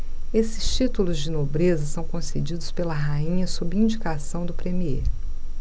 esses títulos de nobreza são concedidos pela rainha sob indicação do premiê